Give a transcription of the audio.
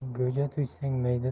go'ja tuysang mayda